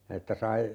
että sai